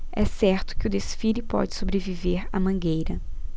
é certo que o desfile pode sobreviver à mangueira